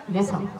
I bɛ sɔn